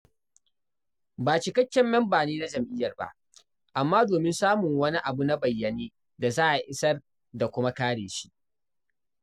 Ba cikakken mamba ne na jam'iyyar ba, amma domin samun wani abu na bayyane da za a isar da kuma kare shi''.